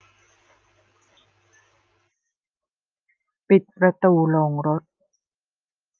ปิดประตูโรงรถ